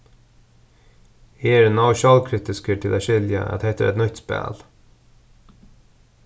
eg eri nóg sjálvkritiskur til at skilja at hetta er eitt nýtt spæl